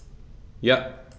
Ja.